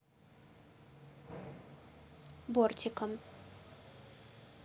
бортиком